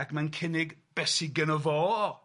...ac mae'n cynnig be sy gynno fo sy'n arbennig.